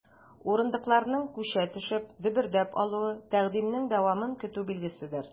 Урындыкларның, күчә төшеп, дөбердәп алуы— тәкъдимнең дәвамын көтү билгеседер.